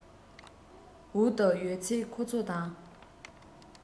འོག ཏུ ཡོད ཚད ཁོ ཚོ དང